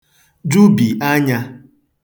jụbì anyā